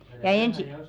ja -